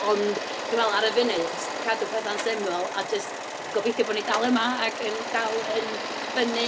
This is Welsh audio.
Ond dwi'n meddwl ar y funud jyst cadw pethau'n syml, a jyst gobeithio bo' ni dal yma, ac yn dal yn ffynnu.